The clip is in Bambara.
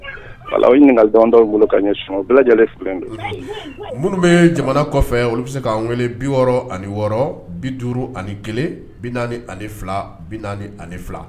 Ɲininkadɔ minnu bɛ jamana kɔfɛ olu bɛ se k' weele bi wɔɔrɔ ani wɔɔrɔ bi duuru ani bi ani fila ani fila